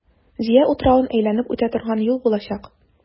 Зөя утравын әйләнеп үтә торган юл булачак.